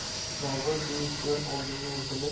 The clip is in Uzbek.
bobur beixtiyor oldinga intilib